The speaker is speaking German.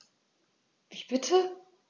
Wie bitte?